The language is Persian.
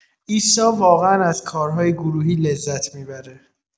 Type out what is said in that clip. عیسی واقعا از کارهای گروهی لذت می‌بره.